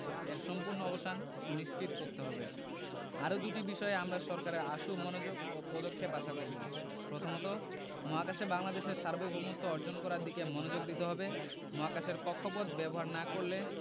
এর সম্পূর্ণ অবসান নিশ্চিত করতে হবে আরও দুটি বিষয়ে আমরা সরকারের আশু মনোযোগ ও পদক্ষেপ আশা করব প্রথমত মহাকাশে বাংলাদেশের সার্বভৌমত্ব অর্জন করার দিকে মনোযোগ দিতে হবে মহাকাশের কক্ষপথ ব্যবহার না করলে